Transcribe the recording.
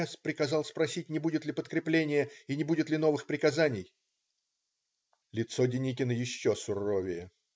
С. приказал спросить, не будет ли подкрепления и не будет ли новых приказаний?" Лицо Деникина еще суровее.